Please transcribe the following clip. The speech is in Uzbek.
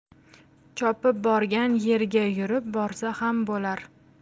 chopib borgan yerga yurib borsa ham bo'lar